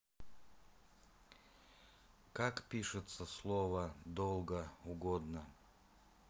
как пишется слово долго угодно